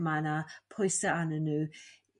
ma' 'na pwysa' a'nnyn n'w